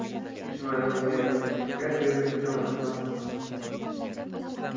dushmaningga shakar berib jonini ol